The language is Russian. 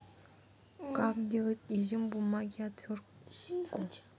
как делать изюм бумаги отвертку